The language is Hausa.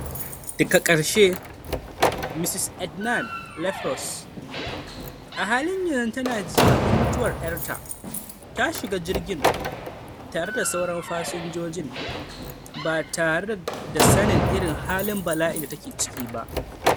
Daka karshe Mrs Ednan-Laperouse, a halin yanzu tana jimamin mutuwar ‘yar ta, ta shiga jirgin tare da sauran fasinjojin- ba tare da sanin irin halin bala’in da take ciki ba.